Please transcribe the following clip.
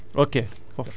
dafa am nu ñu koy defee